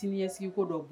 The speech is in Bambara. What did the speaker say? Sini ɲɛsigi ko dɔw